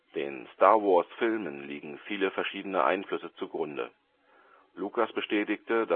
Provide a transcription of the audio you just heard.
Den Star-Wars-Filmen liegen viele verschiedene Einflüsse zu Grunde. Lucas bestätigte